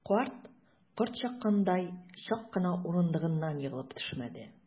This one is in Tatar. Карт, корт чаккандай, чак кына урындыгыннан егылып төшмәде.